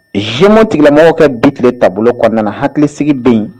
Zekuma tigimɔgɔw kɛ bi tile taabolo kɔnɔna hakilisigi bɛ yen